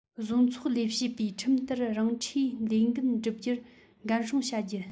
བཟོ ཚོགས ལས བྱེད པས ཁྲིམས ལྟར རང འཁྲིའི ལས འགན བསྒྲུབ རྒྱུར འགན སྲུང བྱ རྒྱུ